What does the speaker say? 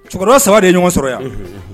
Cɛkɔrɔba saba de ye ɲɔgɔn sɔrɔ yan, unhun, unhun.